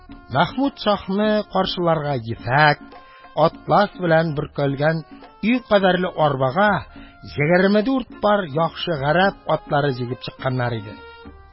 Мәхмүд шаһның каршыларга ефәк, атлас белән бөркелгән зур өй кадәр арбага егерме дүрт пар яхшы гарәп атлары җигеп чыкканнар иде.